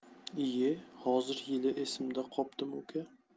iye hozir yili esimda qoptimi uka